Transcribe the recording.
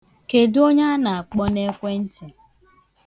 Kedụ onye a na-akpọ n'ekwentị?